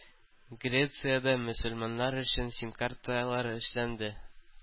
Грециядә мөселманнар өчен СИМ-карталар эшләнде.